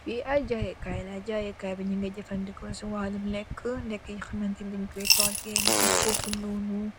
Fii ay jaayeekaay la, jaayeekaay bi ñu ngee jafëndeko si waalum lékë. Lékë yu xamante ni dañgkooy toogu.